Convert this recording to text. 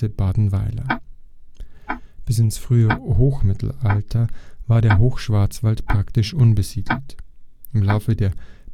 Badenweiler). Bis ins frühe Hochmittelalter war der Hochschwarzwald praktisch unbesiedelt. Im Laufe der Binnenkolonisation